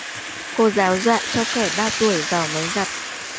cô giáo dọa cho trẻ ba tuổi vào máy giặt